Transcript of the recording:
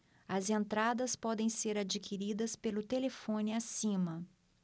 as entradas podem ser adquiridas pelo telefone acima